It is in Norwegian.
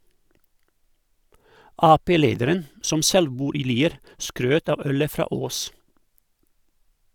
Ap-lederen, som selv bor i Lier, skrøt av ølet fra Aass.